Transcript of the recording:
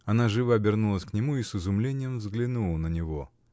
Она живо обернулась к нему и с изумлением взглянула на него.